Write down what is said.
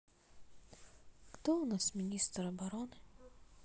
кто у нас министр обороны